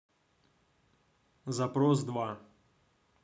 запрос два